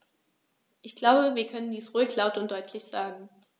Ich glaube, wir können dies ruhig laut und deutlich sagen.